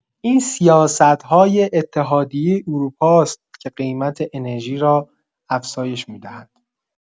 این سیاست‌های اتحادیه اروپاست که قیمت انرژی را افزایش می‌دهد.